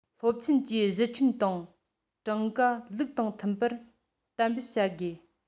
སློབ ཆེན གྱི གཞི ཁྱོན དང གྲངས ཀ ལུགས དང མཐུན པར གཏན འབེབས བྱ དགོས